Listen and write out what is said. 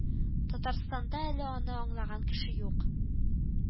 Татарстанда әле аны аңлаган кеше юк